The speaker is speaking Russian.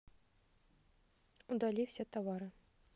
удали все товары